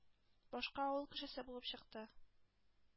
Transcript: Башка авыл кешесе булып чыкты.